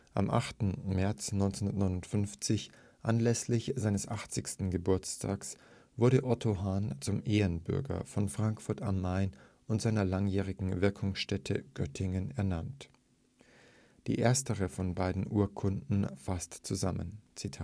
Am 8. März 1959, anlässlich seines 80. Geburtstages, wurde Otto Hahn zum Ehrenbürger von Frankfurt am Main und seiner langjährigen Wirkungsstätte Göttingen ernannt. Die erstere von beiden Urkunden fasst zusammen: „ Die